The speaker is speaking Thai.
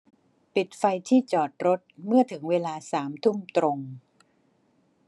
ปิดไฟที่จอดรถเมื่อถึงเวลาสามทุ่มตรง